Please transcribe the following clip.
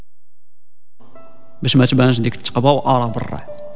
مشماش بانز